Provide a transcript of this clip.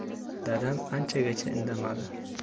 dadam anchagacha indamadi